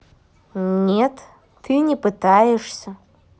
нет ты не пытаешься